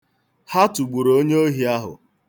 Ha tụgburu onye ohi ahụ.